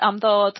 ...am ddod...